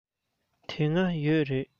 དེ སྔ ཡོད རེད